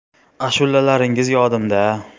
ashulalaringiz yodimda